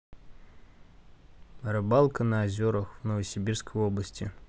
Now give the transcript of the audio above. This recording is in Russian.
рыбалка на озерах в новосибирской области